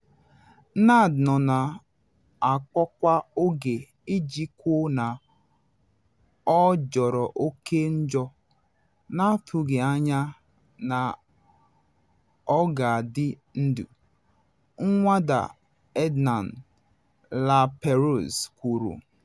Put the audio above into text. “Nad nọ na akpọ kwa oge iji kwuo na ọ jọrọ oke njọ, na atụghị anya na ọ ga-adị ndụ,” Nwada Ednan-Laperouse kwuru.